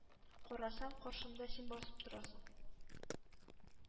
Карасам, каршымда син басып торасың.